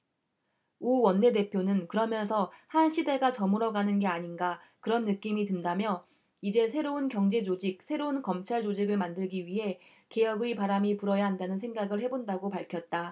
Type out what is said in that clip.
우 원내대표는 그러면서 한 시대가 저물어가는 게 아닌가 그런 느낌이 든다며 이제 새로운 경제조직 새로운 검찰조직을 만들기 위해 개혁의 바람이 불어야한다는 생각을 해 본다고 밝혔다